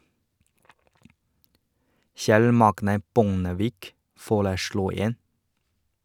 Kjell Magne Bondevik, foreslo en.